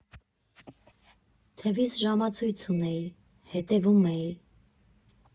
Թևիս ժամացույց ունեի, հետևում էի։